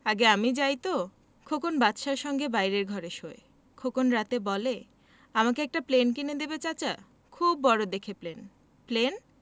খোকন বাদশার সঙ্গে বাইরের ঘরে শোয় খোকন রাতে বলে আমাকে একটা প্লেন কিনে দিবে চাচা খুব বড় দেখে প্লেন প্লেন